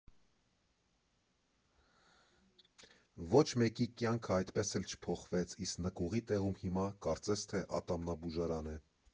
Ոչ մեկի կյանքը այդպես էլ չփոխվեց, իսկ նկուղի տեղում հիմա, կարծես թե, ատամնաբուժարան է։